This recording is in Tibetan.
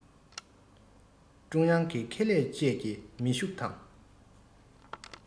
ཀྲུང དབྱང གི ཁེ ལས བཅས ཀྱིས མི ཤུགས དང